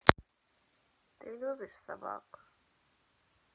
ты любишь собак